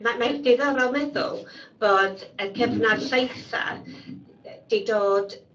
Ma' mae'r diddorol meddwl bod y cyfnod lleitha yy 'di dod